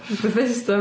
Bethesda?